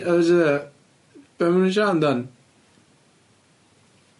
O'dd o jyst fatha, be' be' ma' nw'n siarad amdan?